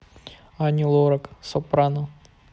ани лорак сопрано